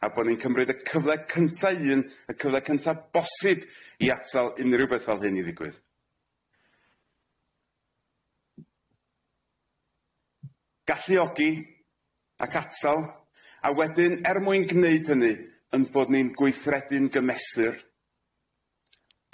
A bo ni'n cymryd y cyfle cynta un y cyfle cynta bosib i atal unryw beth fel hyn i ddigwydd. Galluogi ac atal a wedyn er mwyn gneud hynny 'yn bod ni'n gweithredu'n gymesur,